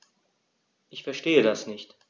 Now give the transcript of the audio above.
Ich verstehe das nicht.